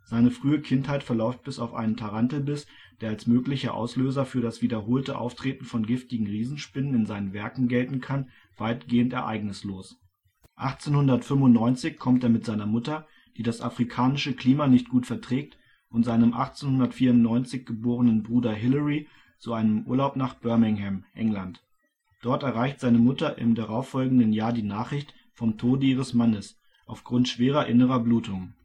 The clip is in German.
Seine frühe Kindheit verläuft bis auf einen Tarantelbiss, der als möglicher Auslöser für das wiederholte Auftreten von giftigen Riesenspinnen in seinen Werken gelten kann, weitgehend ereignislos. 1895 kommt er mit seiner Mutter, die das afrikanische Klima nicht gut verträgt, und seinem 1894 geborenen Bruder Hilary zu einem Urlaub nach Birmingham, England; dort erreicht seine Mutter im darauffolgenden Jahr die Nachricht vom Tode ihres Mannes auf Grund schwerer innerer Blutungen